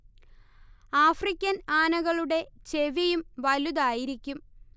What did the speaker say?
African ആനകളുടെ ചെവിയും വലുതായിരിക്കും